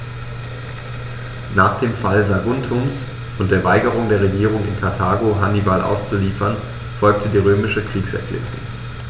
Nach dem Fall Saguntums und der Weigerung der Regierung in Karthago, Hannibal auszuliefern, folgte die römische Kriegserklärung.